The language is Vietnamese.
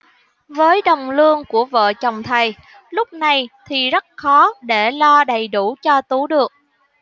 với đồng lương của vợ chồng thầy lúc này thì rất khó để lo đầy đủ cho tú được